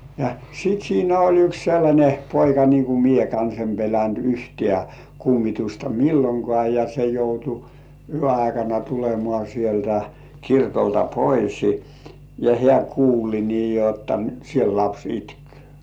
ja sitten siinä oli yksi sellainen poika niin kun minä kanssa en pelännyt yhtään kummitusta milloinkaan ja se joutui yön aikana tulemaan sieltä kirkolta pois ja hän kuuli niin jotta nyt siellä lapsi itki